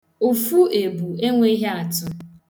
Ụfụ ebụ enweghị atụ.